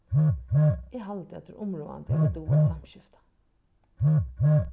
eg haldi at tað umráðandi at vit duga at samskifta